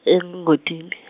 eNgodini.